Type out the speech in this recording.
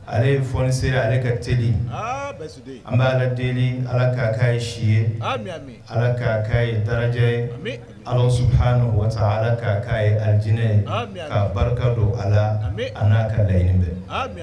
Ale fɔnise ale ka terieli an bɛ ala deli ala ka ka ye si ye ala ka ye dalajɛ ye Alahu subahana watala ka ye aladinɛ ye'a barika don ala an' ka laɲini bɛɛ